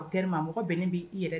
Docteur ma, mɔgɔ bɛn n'i b' i yɛrɛ